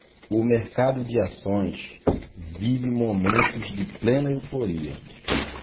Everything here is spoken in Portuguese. o mercado de ações vive momentos de plena euforia